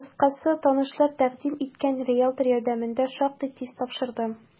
Кыскасы, танышлар тәкъдим иткән риелтор ярдәмендә шактый тиз тапшырдым.